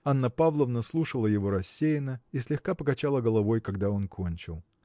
Анна Павловна слушала его рассеянно и слегка покачала головой когда он кончил.